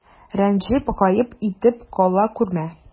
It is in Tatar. Рәнҗеп, гаеп итеп кала күрмә.